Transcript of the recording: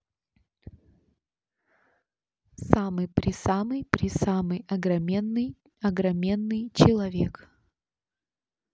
самый пресамый пресамый огроменный огроменный человек